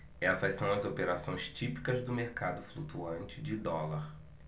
essas são as operações típicas do mercado flutuante de dólar